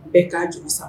Bɛɛ k'a jaru san.